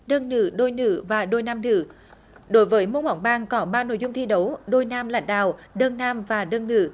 đơn nữ đôi nữ và đôi nam nữ đối với môn bóng bàn có ba nội dung thi đấu đôi nam lãnh đạo đơn nam và đơn nữ